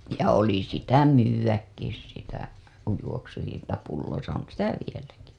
ja oli sitä myydäkin sitä juoksutinta pulloissa on sitä vieläkin